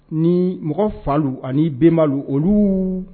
Ni mɔgɔ falu anibbalu olu